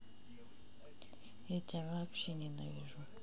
я тебя вообще не вижу